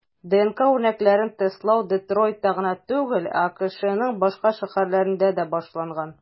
ДНК үрнәкләрен тестлау Детройтта гына түгел, ә АКШның башка шәһәрләрендә дә башланган.